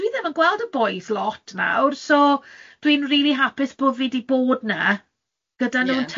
Dwi ddim yn gweld y bois lot nawr, so dwi'n rili hapus bo' fi 'di bod 'na, gyda... Ie